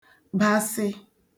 basị